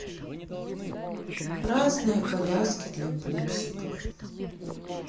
разные коляски для пупсиков